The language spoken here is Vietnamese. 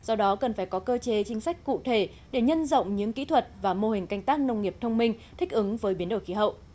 do đó cần phải có cơ chế chính sách cụ thể để nhân rộng những kỹ thuật và mô hình canh tác nông nghiệp thông minh thích ứng với biến đổi khí hậu